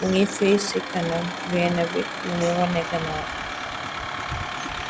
mingi face chikkanam benna bi mu ngi wone ganaaw.